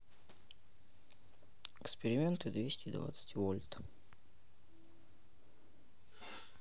эксперименты двести двадцать вольт